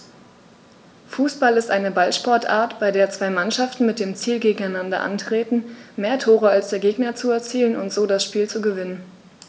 Fußball ist eine Ballsportart, bei der zwei Mannschaften mit dem Ziel gegeneinander antreten, mehr Tore als der Gegner zu erzielen und so das Spiel zu gewinnen.